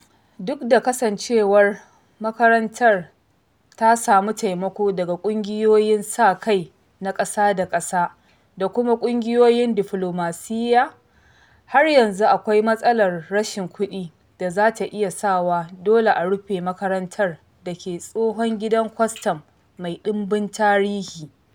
Duk da kasancewar makarantar ta samu taimako daga ƙungiyoyin sa kai na ƙasa da ƙasa da kuma ƙungiyoyin diflomasiyya, har yanzu akwai matsalar rashin kuɗi da za ta iya sa wa dole a rufe makarantar da ke tsohon gidan kwastam mai ɗimbin tarihi.